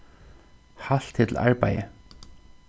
halt teg til arbeiðið